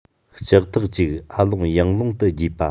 ལྕགས ཐག ཅིག ཨ ལོང ཡང ལོང དུ བརྒྱུས པ